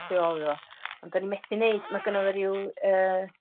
tu ôl iddo fo. Ond 'dyn ni methu neud, ma' gynno fe ryw yy